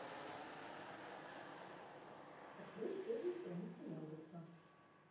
открой первую страницу яндекса